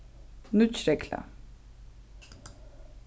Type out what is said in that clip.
nýggj regla